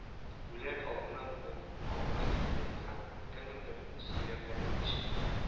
Үләр алдыннан ул аңына килде һәм кемнеңдер сөйләнгәнен ишетте: